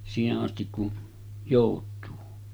siihen asti kun joutuu